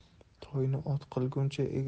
toyni ot qilguncha